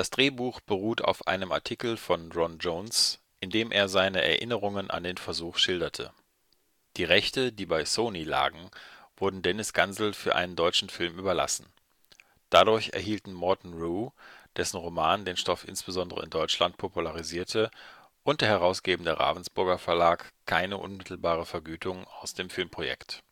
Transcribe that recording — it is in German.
Drehbuch beruht auf einem Artikel von Ron Jones, in dem er seine Erinnerungen an den Versuch schilderte. Die Rechte, die bei Sony lagen, wurden Dennis Gansel für einen deutschen Film überlassen. Dadurch erhielten Morton Rhue, dessen Roman den Stoff insbesondere in Deutschland popularisierte, und der herausgebende Ravensburger-Verlag keine unmittelbare Vergütung aus dem Filmprojekt